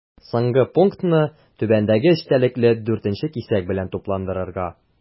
Соңгы пунктны түбәндәге эчтәлекле 4 нче кисәк белән тулыландырырга.